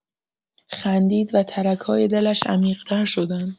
خندید و ترک‌های دلش عمیق‌تر شدند.